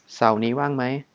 เสาร์นี้ว่างไหม